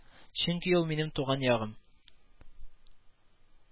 Чөнки ул минем туган ягым